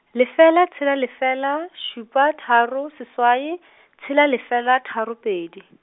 lefela tshela lefela, šupa tharo, seswai , tshela lefela, tharo pedi.